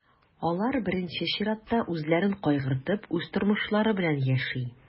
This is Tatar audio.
Алар, беренче чиратта, үзләрен кайгыртып, үз тормышлары белән яши.